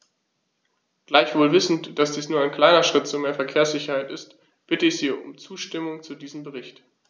Gleichwohl wissend, dass dies nur ein kleiner Schritt zu mehr Verkehrssicherheit ist, bitte ich Sie um die Zustimmung zu diesem Bericht.